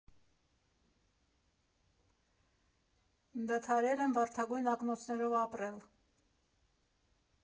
Դադարել եմ վարդագույն ակնոցներով ապրել։